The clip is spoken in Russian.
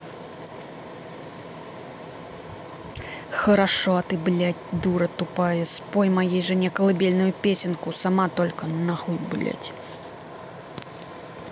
хорошо ты блядь дура тупая спой моей жене колыбельную песенку сама только нахуй блядь